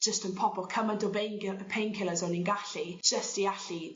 jyst yn popo cymaint o bein gy- pain killers o'n i'n gallu jyst i allu